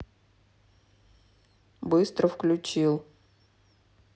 быстро включил